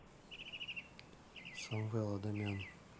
самвел адамян